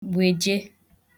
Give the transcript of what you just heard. wèje